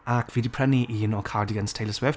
Ac fi 'di prynu un o cardigans Taylor Swift.